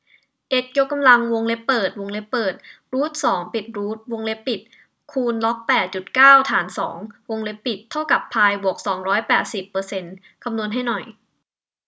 เอ็กซ์ยกกำลังวงเล็บเปิดวงเล็บเปิดรูทสองจบรูทวงเล็บปิดคูณล็อกแปดจุดเก้าฐานสองวงเล็บปิดเท่ากับพายบวกสองร้อยแปดสิบเปอร์เซ็นต์คำนวณให้หน่อย